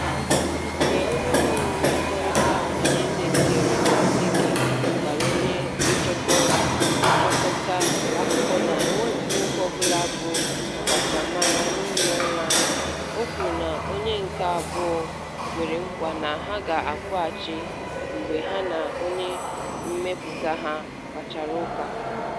Mgbe onyeọrụ mmekọrịta ọhanaeze nke Reyder, Sergey, gwara onye nchịkọta akụkọ na onweghị nwoke ọbụla bụ ọkachamara n'ụlọọrụ ahụ, o kwuru, na onye nke abụọ kwere nkwa na ha ga-akpọghachi mgbe ha na onye mmepụta ha kparịtara ụka.